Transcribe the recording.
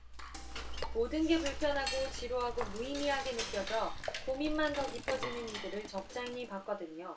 모든 게 불편하고 지루하고 무의미하게 느껴져 고민만 더 깊어지는 이들을 적잖이 봤거든요